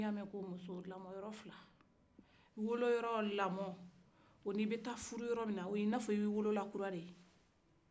ni y'a men ko muso lamɔ yɔrɔ fila wolo yɔrɔ lamɔ o ni i bɛna taa furu yɔrɔ mina o ye i na fɔ wolola kura de